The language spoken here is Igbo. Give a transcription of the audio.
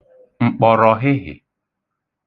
m̀kpọ̀rọ̀hịhị̀